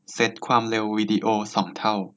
เซ็ตความเร็ววีดีโอสองเท่า